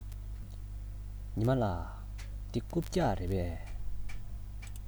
ཉི མ ལགས འདི རྐུབ བཀྱག རེད པས